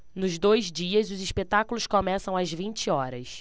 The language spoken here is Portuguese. nos dois dias os espetáculos começam às vinte horas